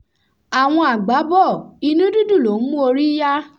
Awọn àgbá bọ̀, inú dídùn l'ó ń mú orí yá.